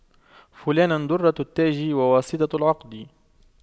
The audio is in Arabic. فلان دُرَّةُ التاج وواسطة العقد